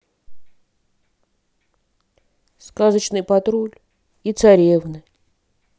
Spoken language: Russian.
сказочный патруль и царевны